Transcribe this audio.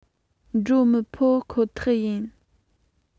འགྲོ མི ཕོད ཁོ ཐག ཡིན